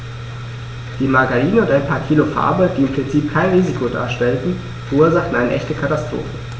Die Margarine und ein paar Kilo Farbe, die im Prinzip kein Risiko darstellten, verursachten eine echte Katastrophe.